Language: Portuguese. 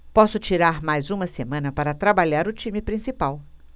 posso tirar mais uma semana para trabalhar o time principal